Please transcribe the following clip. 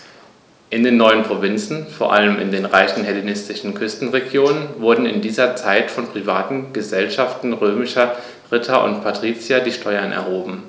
In den neuen Provinzen, vor allem in den reichen hellenistischen Küstenregionen, wurden in dieser Zeit von privaten „Gesellschaften“ römischer Ritter und Patrizier die Steuern erhoben.